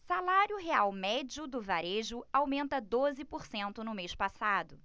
salário real médio do varejo aumenta doze por cento no mês passado